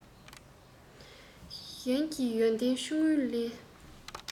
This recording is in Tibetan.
གཞན གྱི ཡོན ཏན ཆུང ངུའང ལེན